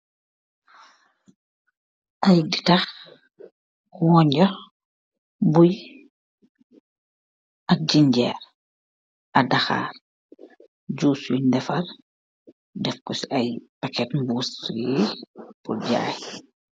Aiy ditah, wonjo, buiy, ak ginger, ak dahar, juice yun defar, defko si aiy paketu mbuss yi pur jaiy.